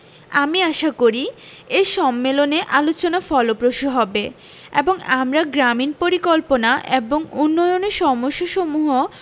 আমি আশা করি এ সম্মেলনে আলোচনা ফলপ্রসূ হবে এবং আমরা গ্রামীন পরিকল্পনা এবং উন্নয়নের সমস্যাসমূহ